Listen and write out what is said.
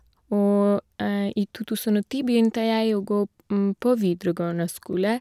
Og i to tusen og ti begynte jeg å gå p på videregående skole.